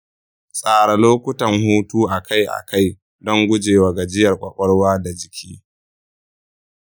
tsara lokutan hutu a kai a kai don guje wa gajiyar ƙwaƙwalwa da jiki.